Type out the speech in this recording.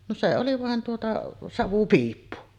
no se oli vain tuota savupiippu